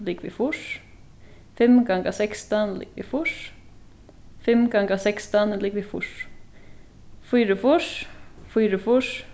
ligvið fýrs fimm ganga sekstan ligvið fýrs fimm ganga sekstan er ligvið fýrs fýraogfýrs fýraogfýrs